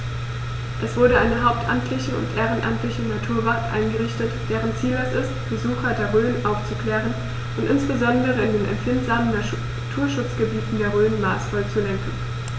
Es wurde eine hauptamtliche und ehrenamtliche Naturwacht eingerichtet, deren Ziel es ist, Besucher der Rhön aufzuklären und insbesondere in den empfindlichen Naturschutzgebieten der Rhön maßvoll zu lenken.